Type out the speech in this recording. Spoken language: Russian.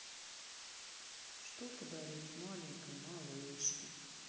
что подарить маленькой малышке